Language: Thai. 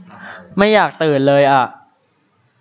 ไม่อยากตื่นเลยอะ